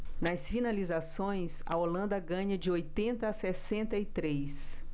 nas finalizações a holanda ganha de oitenta a sessenta e três